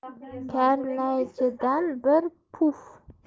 karnaychidan bir puf